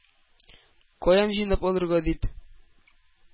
Каян җыйнап алырга? - дип,